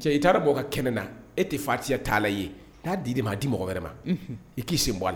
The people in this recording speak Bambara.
cɛ i taara bɔ ka kɛnɛ na e tɛ fati t'a la ye'a di ma a di mɔgɔ wɛrɛ ma i k'i sen bɔ a la